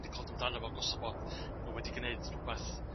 'di clwad amdano fo gosa' bod n'w wedi g'neud rwbath